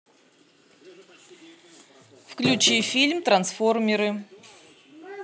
включи фильм трансформеры